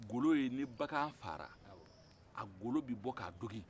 golo ye ni bagan faara a gaolo bɛ bɔ ka dogin